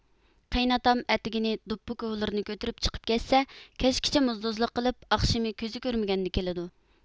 قېيناتام ئەتىگىنى دۇپپى كوۋلىرىنى كۆتۈرۈپ چىقىپ كەتسە كەچكىچە موزدوزلۇق قىلىپ ئاخشىمى كۆزى كۆرمىگەندە كېلىدۇ